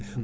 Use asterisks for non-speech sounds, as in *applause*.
*hesitation* *hesitation*